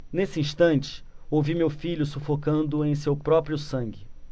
nesse instante ouvi meu filho sufocando em seu próprio sangue